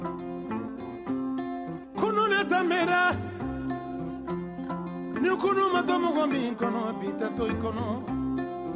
Kunun de tɛmɛ na, ni kunun ma to mɔgɔ min kɔnɔ, bi tɛ to i kɔnɔ.